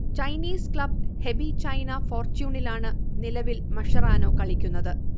Chinese club Hebei China ഫോർച്യൂണിലാണ് നിലവിൽ Mascherano കളിക്കുന്നത്